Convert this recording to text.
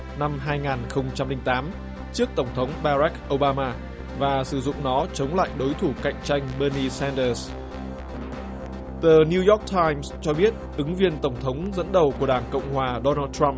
năm hai ngàn không trăm linh tám trước tổng thống ba rắc ô ba ma và sử dụng nó chống lại đối thủ cạnh tranh bơ ni sen tờ tờ niu roóc tham cho biết ứng viên tổng thống dẫn đầu của đảng cộng hòa đô nan trăm